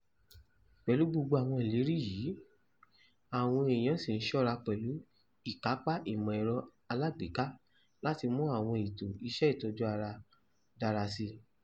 Pẹ̀lú gbogbo àwọn ìlérí yìí, àwọn èèyàn sì ń ṣọ́ra pẹ̀lú ìkápá ìmọ̀-ẹ̀rọ alágbèéká láti mú àwọn ètò iṣẹ́ ìtọ́jú ìlera dára síi.